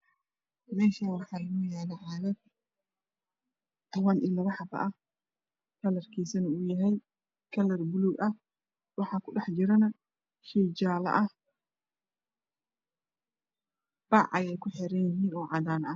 Meshaanw axaa inoo cagag toban iyo lapa xabao ah karkiisana u yahay kalar baluuga ah waxaa kudhax jiro shey jaala ah bac ayey ku jiraan cadaan ah